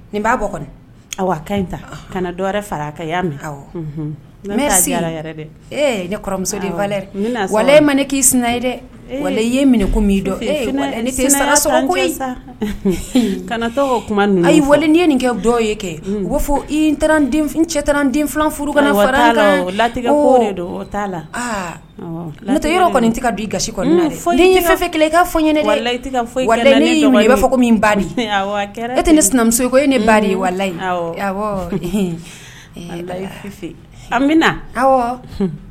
Nin baa bɔ kɔnɔ ka ta kana fara dɛ nemuso wa ma ne k'i sinaina ye dɛ ye minɛ ayi wale n ye nin kɛ ye kɛ ko fɔ cɛ furu fara la kɔni tɛ i ga kelen i fɔ ne i'a fɔ ko ba e tɛ ne sinamuso ko e ne ba aw